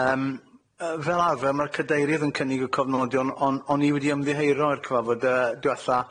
Yym yy fel arfer ma'r Cadeirydd yn cynnig y cofnodion on- o'n i wedi ymddiheuro i'r cyfarfod yy diwetha.